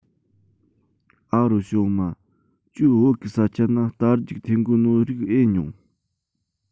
ཨ རོ ཞའོ མ ཁྱོས བོད གི ས ཆ ན རྟ རྒྱུག འཐེན གོ ནོ རིག ཨེ མྱོང